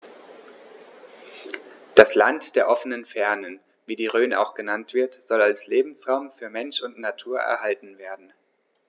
Das „Land der offenen Fernen“, wie die Rhön auch genannt wird, soll als Lebensraum für Mensch und Natur erhalten werden.